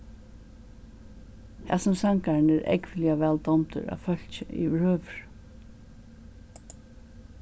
hasin sangarin er ógvuliga væl dámdur av fólki yvirhøvur